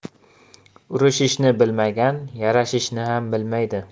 urishishni bilmagan yarashishni ham bilmaydi